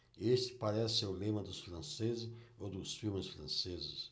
este parece ser o lema dos franceses ou dos filmes franceses